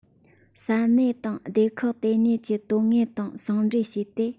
ས གནས དང སྡེ ཁག དེ ཉིད ཀྱི དོན དངོས དང ཟུང འབྲེལ བྱས ཏེ